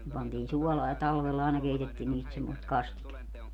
ne pantiin suolaan ja talvella aina keitettiin niistä semmoista kastiketta